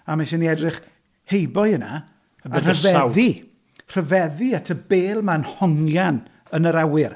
A mae isie i ni edrych heibio hynna a rhyfeddu... rhyfeddu at y pêl mae'n hongian yn yr awyr.